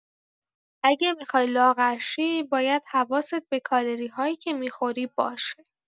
اگه می‌خوای لاغر شی، باید حواست به کالری‌هایی که می‌خوری باشه.